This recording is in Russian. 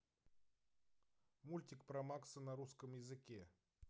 мультик про макса на русском языке